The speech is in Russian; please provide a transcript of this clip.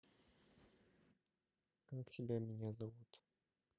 как тебя меня зовут